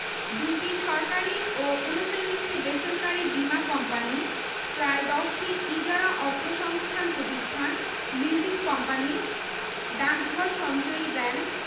ক্ষুদ্র্ ঋণ দানকারী প্রতিষ্ঠান মাঠপর্যায়ে উন্নয়ন কর্মকান্ডে নিয়োজিত রয়েছে শিল্পঃ পাট চা টেক্সটাইল তৈরি পোশাক কাগজ সার